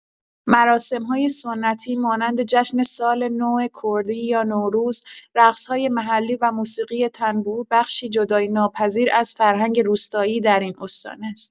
مراسم‌های سنتی مانند جشن سال‌نو کردی یا نوروز، رقص‌های محلی و موسیقی تنبور بخشی جدایی‌ناپذیر از فرهنگ روستایی در این استان است.